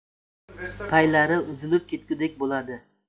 paylari uzilib ketgundek bo'ladi